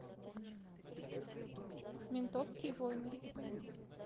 ментовские войны